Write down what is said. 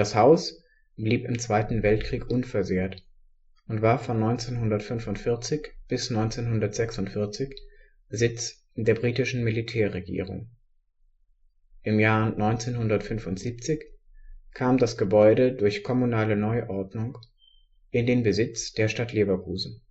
Haus blieb im Zweiten Weltkrieg unversehrt und war von 1945 bis 1946 Sitz der britischen Militärregierung. Im Jahr 1975 kam das Gebäude durch kommunale Neuordnung in den Besitz der Stadt Leverkusen